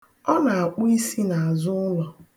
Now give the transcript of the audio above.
Ọ na-akpụ isi n'azụ ụlọ.